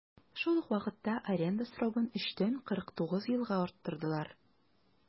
Шул ук вакытта аренда срогын 3 тән 49 елга арттырдылар.